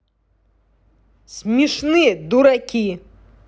смешные дураки